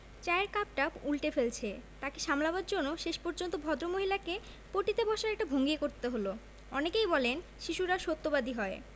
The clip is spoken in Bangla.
চায়ের কাপটাপ উন্টে ফেলছে তাকে সামলাবার জন্যে শেষ পর্যন্ত ভদ্রমহিলাকে পটি তে বসার একটা ভঙ্গি করতে হল অনেকেই বলেন শিশুরা সত্যবাদী হয়